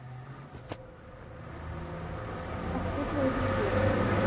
а кто твои друзья